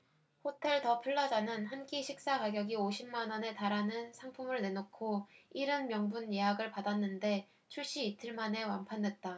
호텔 더 플라자는 한 끼 식사 가격이 오십 만원에 달하는 상품을 내놓고 일흔 명분 예약을 받았는데 출시 이틀 만에 완판됐다